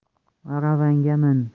aravangga min